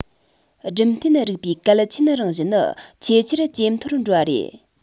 སྦྲུམ རྟེན རིག པའི གལ ཆེན རང བཞིན ནི ཆེས ཆེར ཇེ མཐོར འགྲོ བ རེད